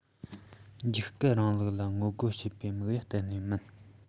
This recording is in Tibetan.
འཇིགས སྐུལ རིང ལུགས ལ ངོ རྒོལ བྱེད པའི དམིགས ཡུལ གཏན ནས མིན